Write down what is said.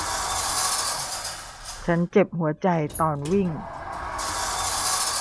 ฉันเจ็บหัวใจตอนวิ่ง